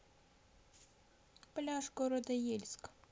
пляж города ейск